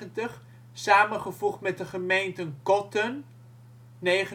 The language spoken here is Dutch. samengevoegd met de gemeenten Cothen (2973